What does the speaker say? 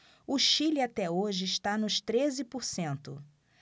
o chile até hoje está nos treze por cento